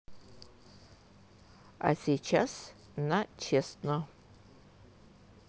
а сейчас на честно